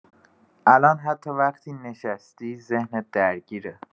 الان حتی وقتی نشستی، ذهنت درگیره.